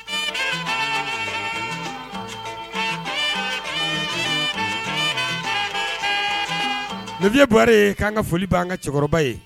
San n ye bɔra ye k'an ka foli b' an ka cɛkɔrɔba ye